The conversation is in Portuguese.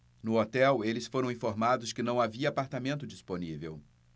no hotel eles foram informados que não havia apartamento disponível